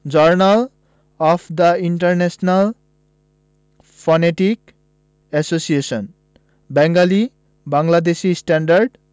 journal of the International Phonetic Association Bengali Bangladeshi standard